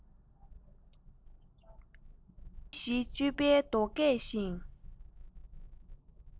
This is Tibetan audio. དུས བཞི གཅོད པའི རྡོ སྐས བཞིན